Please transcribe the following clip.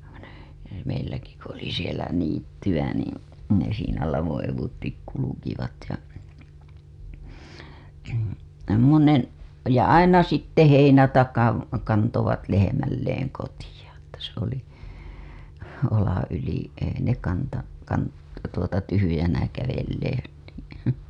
ne ne meilläkin kun oli siellä niittyä niin ne siinä lavon eduitse kulkivat ja semmoinen ja aina sitten heinätakan kantoivat lehmilleen kotiin että se oli olan yli ei ne -- tuota tyhjänä kävelleet